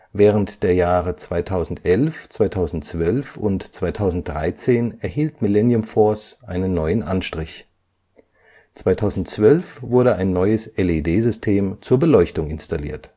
Während der Jahre 2011, 2012 und 2013 erhielt Millennium Force einen neuen Anstrich. 2012 wurde ein neues LED-System zur Beleuchtung installiert